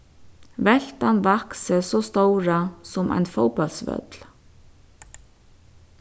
veltan vaks seg so stóra sum ein fótbóltsvøll